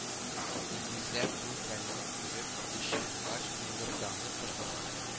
Инглизләр, бу хәлне күреп ышангач, мыгырданып тордылар